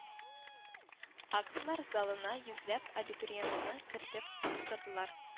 Актлар залына йөзләп абитуриентны кертеп тутырдылар